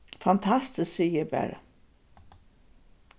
fantastiskt sigi eg bara